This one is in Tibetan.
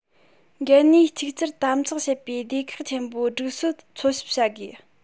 འགན ནུས གཅིག གྱུར དམ ཚགས བྱེད པའི སྡེ ཁག ཆེན པོའི སྒྲིག སྲོལ འཚོལ ཞིབ བྱ དགོས